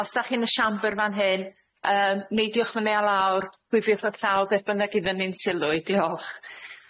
Os 'dach chi yn y siambr fan hyn, yym neidiwch fyny a lawr, gwylfiwch ych llaw, beth bynnag iddo ni'n sylw diolch.